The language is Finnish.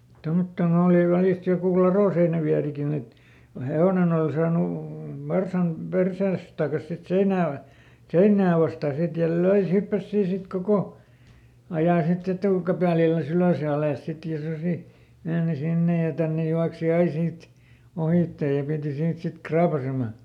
tuommottoon oli välistä joku ladonseinävierikin että kun hevonen oli saanut varsan perseensä takaisin sitten seinää - seinää vastaan sitten ja löi se hyppäsi siinä sitten koko ajan sitten etukäpälillänsä ylös ja alas sitten ja susi meni sinne ja tänne juoksi aina siitä ohitse ja piti siitä sitten raapaiseman